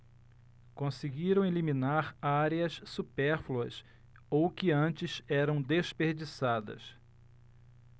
conseguiram eliminar áreas supérfluas ou que antes eram desperdiçadas